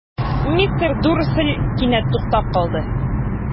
Мистер Дурсль кинәт туктап калды.